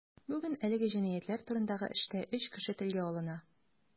Бүген әлеге җинаятьләр турындагы эштә өч кеше телгә алына.